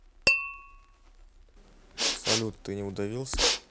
салют ты не удавился